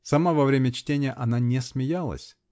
Сама во время чтения она не смеялась